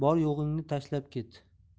bor yo'g'ingni tashlab ket